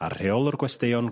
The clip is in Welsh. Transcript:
A rheolwr gwesteion...